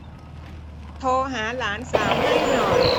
โทรหาหลานสาวให้หน่อย